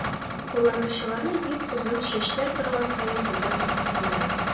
Кулланучыларны бик озын чәчләр торган саен күбрәк кызыксындыра.